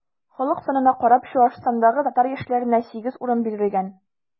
Халык санына карап, Чуашстандагы татар яшьләренә 8 урын бирелгән.